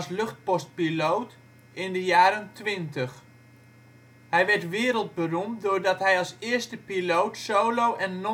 luchtpostpiloot in de jaren twintig. Hij werd wereldberoemd doordat hij als eerste piloot solo en